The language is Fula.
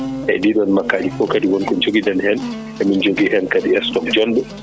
eyyi ɗiɗon makkaji fo kadi wonko joguiɗen hen emin jogui hen kadi stoque jonɗo